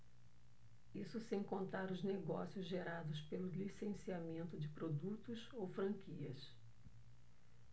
isso sem contar os negócios gerados pelo licenciamento de produtos ou franquias